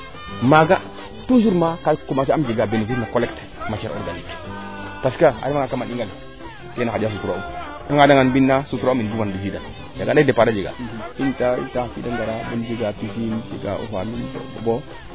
maaga toujours kaa commencer njega benefice no matiere organique parce que a refa nga kama ɗingale meene xanja sutura um nu ngaada nga mbina um a mbisiida yaam andaaye depart a jega kaa ngara a jega